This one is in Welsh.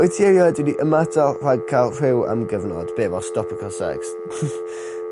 Wyt ti erioed wedi ymatal rhag ca'l rhyw am gyfnod? Be' fel stopo ca'l secs?